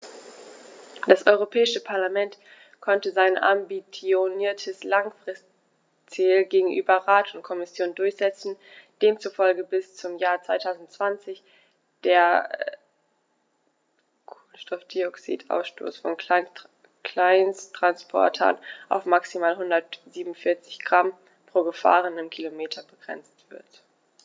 Das Europäische Parlament konnte sein ambitioniertes Langfristziel gegenüber Rat und Kommission durchsetzen, demzufolge bis zum Jahr 2020 der CO2-Ausstoß von Kleinsttransportern auf maximal 147 Gramm pro gefahrenem Kilometer begrenzt wird.